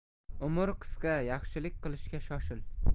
umr qisqa yaxshilik qilishga shoshil